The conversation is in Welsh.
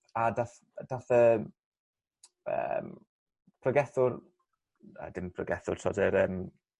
a dath dath yy yym pregethwr ag yn bregethwr t'od yr yym